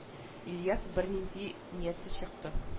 Ильяс бернинди ниятсез чыкты